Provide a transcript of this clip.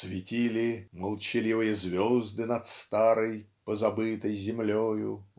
Светили Молчаливые звезды над старой Позабытой землею.